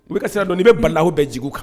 N bɛ ka sira dɔɔni n bɛ balaw bɛ jigin u kan